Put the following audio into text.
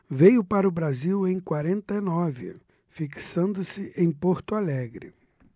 veio para o brasil em quarenta e nove fixando-se em porto alegre